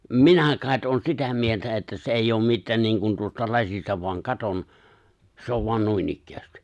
minä kai olen sitä mieltä että se ei ole mitään niin kuin tuosta lasista vain katson se on vain noinikään